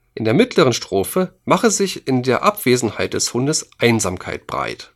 der mittleren Strophe mache sich in der Abwesenheit des Hundes Einsamkeit breit